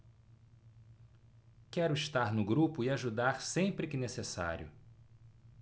quero estar no grupo e ajudar sempre que necessário